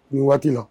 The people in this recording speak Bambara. Waati la